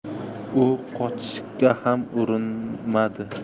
u qochishga ham urinmadi